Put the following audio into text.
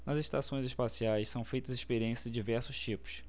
nas estações espaciais são feitas experiências de diversos tipos